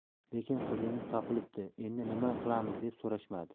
lekin qizingiz topilibdi endi nima qilamiz deb so'rashmadi